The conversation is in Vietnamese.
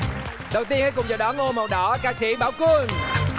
đầu tiên hãy cùng chào đón ô màu đỏ ca sĩ bảo quân